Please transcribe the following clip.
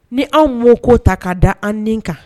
Ni anw wo ko ta k kaa da an ni kan